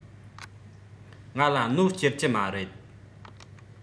ང ལ གནོད སྐྱེལ གྱི མ རེད